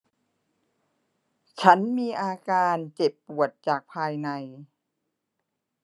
ฉันมีอาการเจ็บปวดจากภายใน